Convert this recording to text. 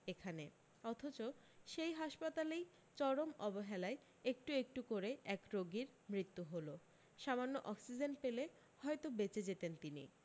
এখানে অথচ সেই হাসপাতালেই চরম অবহেলায় একটু একটু করে এক রোগীর মৃত্যু হল সামান্য অক্সিজেন পেলে হয়তো বেঁচে যেতেন তিনি